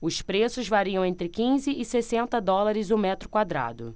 os preços variam entre quinze e sessenta dólares o metro quadrado